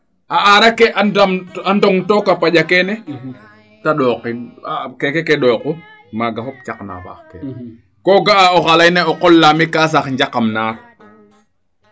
a aarake a ndong tooka panja keene te ɗookin keeke ɗooku maaga fop caq na faax ke ko ga'a oxa lena yee o qol laami kaa sax njakam naar